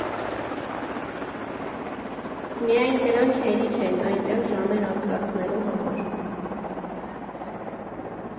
Միայն դրանք հերիք են այնտեղ ժամեր անցկացնելու համար։